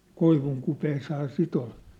koivunkupeessa sitä oli